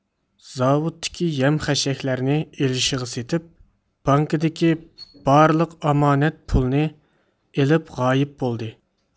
زاۋۇتتىكى يەم خەشەكلەرنى ئېلىشىغا سېتىپ بانكىدىكى بارلىق ئامانەت پۇلنى ئېلىپ غايىب بولدى